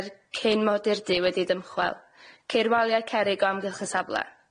cyn-modurdy wedi dymchwel ceir waliau cerrig o amgylch y safle.